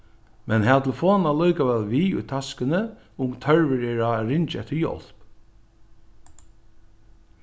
men hav telefonina allíkavæl við í taskuni um tørvur er á at ringja eftir hjálp